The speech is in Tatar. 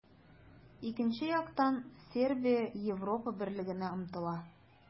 Икенче яктан, Сербия Европа Берлегенә омтыла.